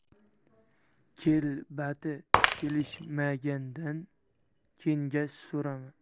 kelbati kelishmagandan kengash so'rama